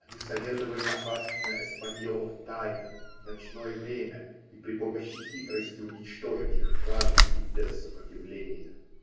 Они советовали напасть на эспаньолов тайно, в ночное время, и при помощи хитрости уничтожить их разом и без сопротивления.